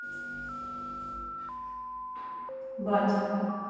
батя